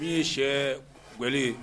N ye sɛ wele